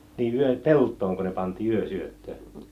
niin yöpeltoonko ne pantiin yösyöttöön